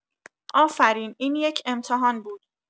آفرین این یک امتحان بود.